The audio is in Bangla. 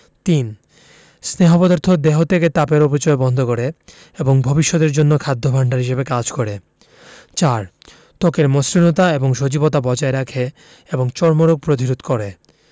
৩. স্নেহ পদার্থ দেহ থেকে তাপের অপচয় বন্ধ করে এবং ভবিষ্যতের জন্য খাদ্য ভাণ্ডার হিসেবে কাজ করে ৪. ত্বকের মসৃণতা এবং সজীবতা বজায় রাখে এবং চর্মরোগ প্রতিরোধ করে